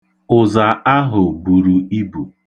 Ụza ahụ buru ibu.